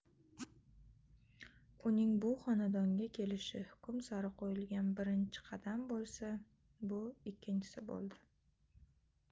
uning bu xonadonga kelishi hukm sari qo'yilgan birinchi qadam bo'lsa bu ikkinchisi bo'ldi